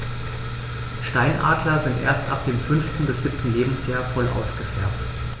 Steinadler sind erst ab dem 5. bis 7. Lebensjahr voll ausgefärbt.